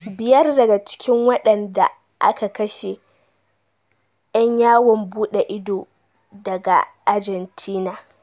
Biyar daga cikin waɗanda aka kashe 'yan yawon bude ido daga Argentina